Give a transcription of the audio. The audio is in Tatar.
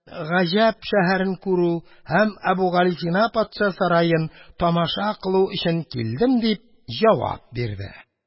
Гаҗәп шәһәрен күрү һәм Әбүгалисина патша сараен тамаша кылу өчен килдем”, – дип җавап бирде.